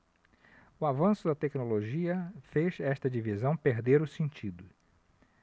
o avanço da tecnologia fez esta divisão perder o sentido